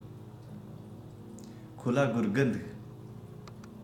ཁོ ལ སྒོར དགུ འདུག